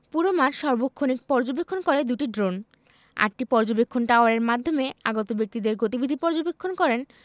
পুরো মাঠ সার্বক্ষণিক পর্যবেক্ষণ করে দুটি ড্রোন আটটি পর্যবেক্ষণ টাওয়ারের মাধ্যমে আগত ব্যক্তিদের গতিবিধি পর্যবেক্ষণ করেন